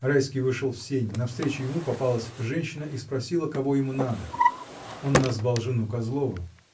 Райский вышел в сени: навстречу ему попалась женщина и спросила, кого ему надо. Он назвал жену Козлова.